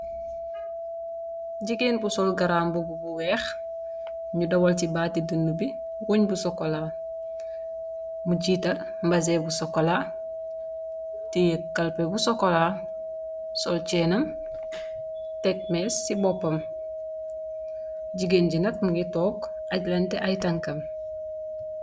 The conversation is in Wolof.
jigéen bu sol garamb bu weex. ñu dawal ci baati dun bi woñ bu sokola, mu jiital mbase bu sokola, tiir kalpe bu sokola sol ceenam tek mees ci boppam. jigéen ji nat mngi tokk itlante ay tankam